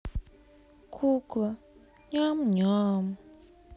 кукла ням ням